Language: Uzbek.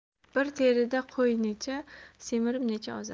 bir terida qo'y necha semirib necha ozar